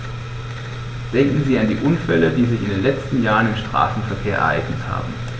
Denken Sie an die Unfälle, die sich in den letzten Jahren im Straßenverkehr ereignet haben.